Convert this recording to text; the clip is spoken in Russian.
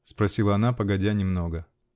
-- спросила она погодя немного.